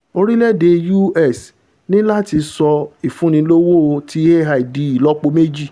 orílẹ̀-èdè U.S. ní láti sọ ìfúnnilówó ti A.I di ìlọ́poméjì